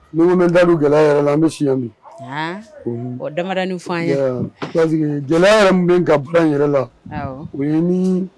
Ni ko min da don gɛlɛya yɛrɛ la, an bɛ si yan bi, an! Ɔ damadɔni f'an ye, parce que gɛlɛya yɛrɛ min bɛ kan fɛn yɛrɛ la, awɔ, o ye ni